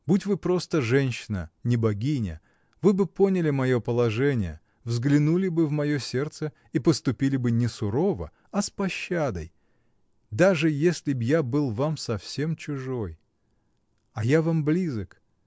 — Будь вы просто женщина, не богиня, вы бы поняли мое положение, взглянули бы в мое сердце и поступили бы не сурово, а с пощадой, даже если б я был вам совсем чужой. А я вам близок.